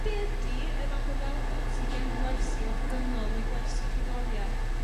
be' ydy y fath o ddelwed sy' gin gwersi offerynnol ne' gwersi cerddori'eth